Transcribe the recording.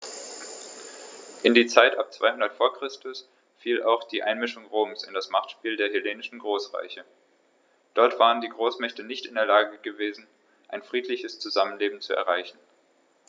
In die Zeit ab 200 v. Chr. fiel auch die Einmischung Roms in das Machtspiel der hellenistischen Großreiche: Dort waren die Großmächte nicht in der Lage gewesen, ein friedliches Zusammenleben zu erreichen.